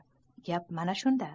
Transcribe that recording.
gap mana shunda